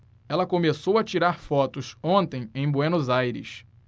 ela começou a tirar fotos ontem em buenos aires